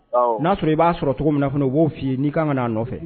N'a sɔrɔ i b'a sɔrɔ cogo min fana u b'o fɔi ye'i kan ka n'a nɔfɛ